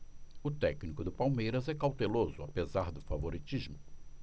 o técnico do palmeiras é cauteloso apesar do favoritismo